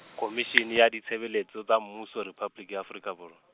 Khomishene ya Ditshebeletso tsa Mmuso Rephapoliki ya Afrika Borwa.